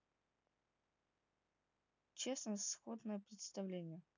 честно сходное представление